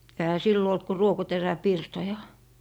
eihän silloin ollut kuin ruokoteräpirtoja